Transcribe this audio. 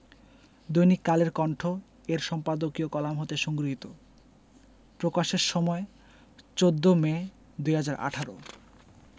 দৈনিক কালের কণ্ঠ এর সম্পাদকীয় কলাম হতে সংগৃহীত প্রকাশের সময় ১৪ মে ২০১৮